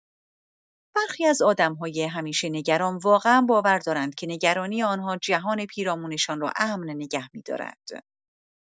برخی از آدم‌های همیشه‌نگران واقعا باور دارند که نگرانی آن‌ها جهان پیرامونشان را امن نگه می‌دارد.